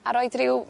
a roid ryw